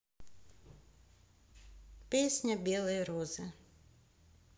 песня белые розы